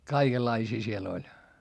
kaikenlaisia siellä oli